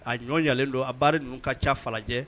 A ɲɔ ɲalen don abari ninnu ka ca falajɛ